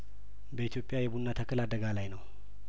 በኢትዮጵያ የቡና ተክል አደጋ ላይ ነው